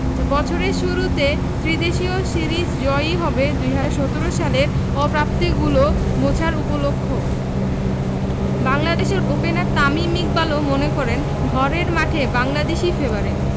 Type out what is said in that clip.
বছরের শুরুতে ত্রিদেশীয় সিরিজ জয়ই হবে ২০১৭ সালের অপ্রাপ্তিগুলো মোছার উপলক্ষও বাংলাদেশের ওপেনার তামিম ইকবালও মনে করেন ঘরের মাঠে বাংলাদেশই ফেবারিট